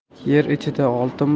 yer ichida oltin